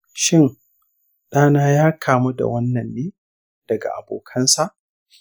shin ɗana ya kamu da wannan ne daga abokansa?